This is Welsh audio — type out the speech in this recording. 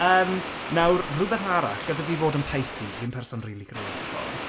Yym, nawr, rwbeth arall, gyda fi fod yn Pisces, fi'n person rili greadigol.